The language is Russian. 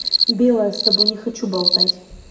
белая с тобой не хочу болтать